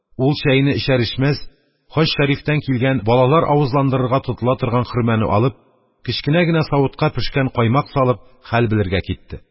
Ул, чәене эчәр-эчмәс, хаҗ шәрифтән килгән, балалар авызландырырга тотыла торган хөрмәне алып, кечкенә генә савытка пешкән каймак салып, хәл белергә китте.